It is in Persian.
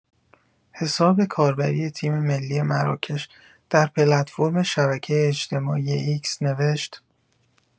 حساب کاربری تیم‌ملی مراکش در پلتفرم شبکه اجتماعی «ایکس»، نوشت